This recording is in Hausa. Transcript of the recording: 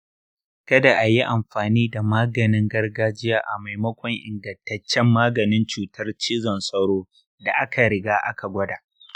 kada a yi amfani da maganin gargajiya a maimakon ingantaccen maganin cutar cizon sauro da aka riga aka gwada.